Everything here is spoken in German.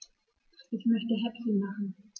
Ich möchte Häppchen machen.